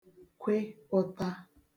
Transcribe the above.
kwe ụta